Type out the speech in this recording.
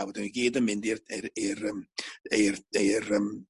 a wedyn n'w gyd yn mynd i'r i'r i'r yym i'r i'r yym